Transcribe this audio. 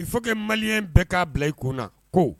il faut que Maliyɛn bɛɛ k'a bila i kunna ko